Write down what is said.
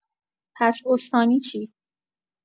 پس استانی چی؟